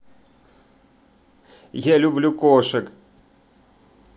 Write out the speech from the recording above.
я люблю кошек